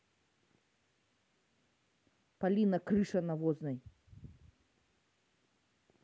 полина крыша навозной